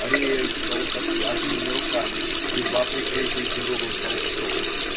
Ариэль шел со связанными руками, едва прикрытый грубым холстом.